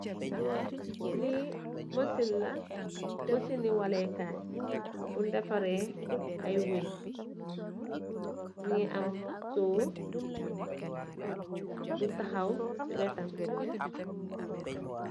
Li masin la, masini walekai buñ deffareh ay weñ mugeh am siwo bu taxaw ci wettam.